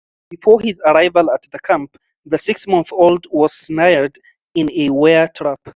Before his arrival at the camp, the six-month-old was snared in a wire trap.